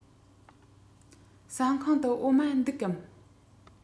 ཟ ཁང དུ འོ མ འདུག གམ